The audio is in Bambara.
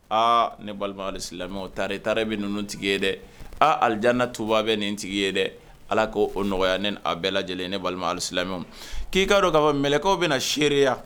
Aa ne balima alisilamɛw taari taari bɛ ninnu tigi ye dɛ , aa aljana tuba bɛ nin tigi ye dɛ allah ko o nɔgɔya ne ni aw bɛɛ lajɛlen ye ne balima alisilamɛw k'i ka' dɔn ka'a fɔ mɛlɛkaw bɛna na seereya